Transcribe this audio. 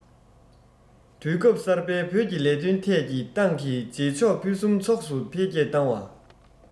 དུས སྐབས གསར པའི བོད ཀྱི ལས དོན ཐད ཀྱི ཏང གི བྱེད ཕྱོགས ཕུན སུམ ཚོགས སུ དང འཕེལ རྒྱས བཏང བ